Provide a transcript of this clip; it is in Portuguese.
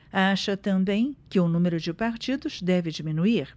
acha também que o número de partidos deve diminuir